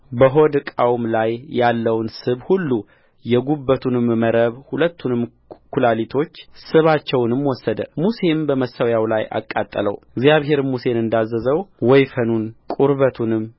በሆድ ዕቃውም ላይ ያለውን ስብ ሁሉ የጕበቱንም መረብ ሁለቱንም ኵላሊቶች ስባቸውንም ወሰደ ሙሴም በመሠዊያው ላይ አቃጠለው እግዚአብሔርም ሙሴን እንዳዘዘው ወይፈኑን ቁርበቱንም